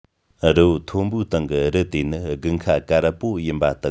རི བོ མཐོན པོའི སྟེང གི རི དེ ནི དགུན ཁ དཀར པོ ཡིན པ དང